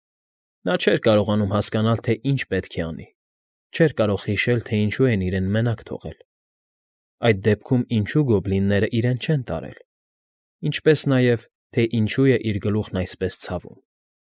Նա չէր կարողանում հասկանալ, թե ինչ պետք է անի, չէր կարող հիշել, թե ինչու են իրեն մենակ թողել, այդ դեպքում ինչու գոբլինները իրեն չեն տարել, ինչպես նաև՝ թե ինչու է իր գլուխն այսպես ցավում։